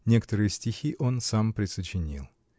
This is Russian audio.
некоторые стихи он сам присочинил.